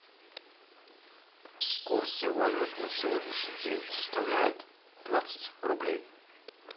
курсы валют на сегодняшний день